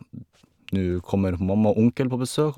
Nå kommer mamma og onkel på besøk.